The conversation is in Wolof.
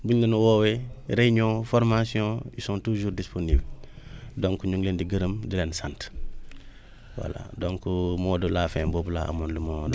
bu ñu leen woowee réunion formation ils sont toujours disponibles donc ñu ngi leen di gërëm di leen sant voilà donc mot de la fin boobu laa amoon lu ma